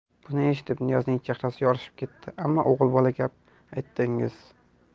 buni eshitib niyozning chehrasi yorishib ketdi ammo o'g'ilbola gap aytdingiz